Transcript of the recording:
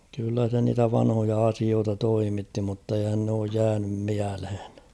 kyllä se niitä vanhoja asioita toimitti mutta eihän ne ole jäänyt mieleen